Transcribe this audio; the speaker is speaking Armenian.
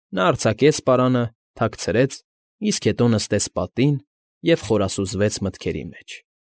Նա արձակեց պարանը, թաքցրեց, իսկ հետո նստեց պատին և խորասուզվեց մտքերի մեջ։